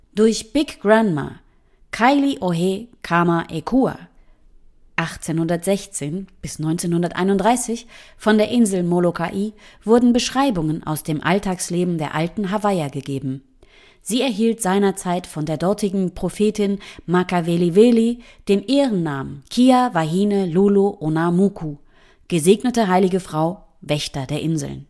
Durch big grandma Kailiʻohe Kamaʻekua (1816 – 1931) von der Insel Molokaʻi wurden Beschreibungen aus dem Alltagsleben der alten Hawaiier gegeben. Sie erhielt seinerzeit von der dortigen Prophetin Makaweliweli den Ehrennamen Kiha Wahine Lulu o na Moku („ Gesegnete/Heilige Frau – Wächter der Inseln